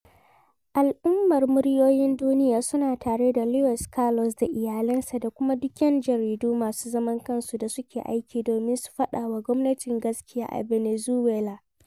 Al'ummar Muryoyin Duniya suna tare da Luis Carlos da iyalansa da kuma duk 'yan jaridu masu zaman kansu da suke aiki domin su faɗawa gwamnati gaskiya a ɓenezuwela.